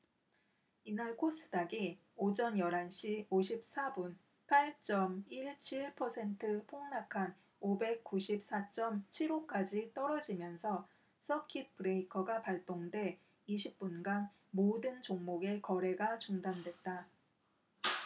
이날 코스닥이 오전 열 한 시 오십 사 분 팔 쩜 일 칠 퍼센트 폭락한 오백 구십 사 쩜 칠 오 까지 떨어지면서 서킷 브레이커가 발동돼 이십 분간 모든 종목의 거래가 중단됐다